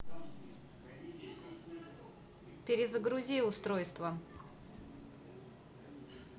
перегрузи устройство